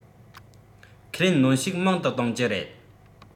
ཁས ལེན གནོན ཤུགས མང དུ གཏོང རྒྱུ རེད